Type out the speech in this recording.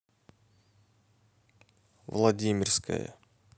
владимирская